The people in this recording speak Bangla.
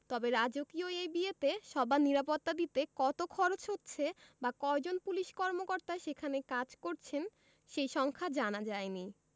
তবে রাজকীয় এই বিয়েতে সবার নিরাপত্তা দিতে কত খরচ হচ্ছে বা কয়জন পুলিশ কর্মকর্তা সেখানে কাজ করছেন সেই সংখ্যা জানা যায়নি